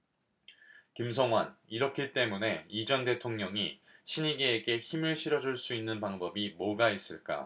김성완 이렇기 때문에 이 전 대통령이 친이계에게 힘을 실어줄 수 있는 방법이 뭐가 있을까